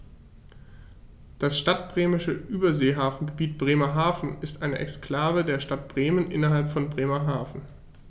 Das Stadtbremische Überseehafengebiet Bremerhaven ist eine Exklave der Stadt Bremen innerhalb von Bremerhaven.